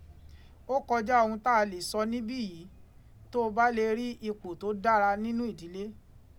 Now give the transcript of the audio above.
Ó kọjá ohun tá a lè sọ níbí yìí, tó o bá lè rí ipò tó dára nínú ìdílé.